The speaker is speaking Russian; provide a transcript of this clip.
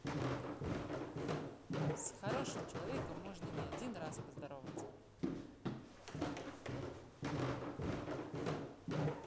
с хорошим человеком можно не один раз поздороваться